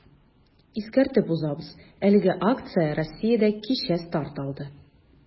Искәртеп узабыз, әлеге акция Россиядә кичә старт алды.